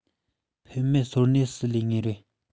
འཕེལ མེད སོར གནས སུ ལུས ངེས རེད